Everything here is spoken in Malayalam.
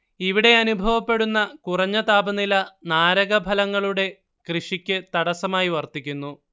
ഇവിടെയനുഭവപ്പെടുന്ന കുറഞ്ഞ താപനില നാരകഫലങ്ങളുടെ കൃഷിക്ക് തടസ്സമായി വർത്തിക്കുന്നു